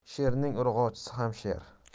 sherning urg'ochisi ham sher